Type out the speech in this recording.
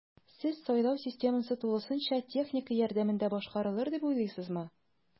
Сез сайлау системасы тулысынча техника ярдәмендә башкарарылыр дип уйлыйсызмы?